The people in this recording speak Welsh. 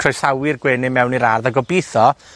croesawu'r gwenyn mewn i'r ardd, a gobitho,